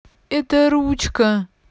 это ручка